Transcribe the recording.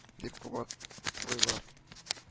Дип кабатлыйлар